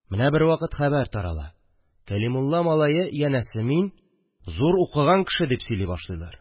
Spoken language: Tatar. Менә бервакыт хәбәр тарала: Кәлимулла малае – янәсе мин – зур укыган кеше, дип сөйли башлыйлар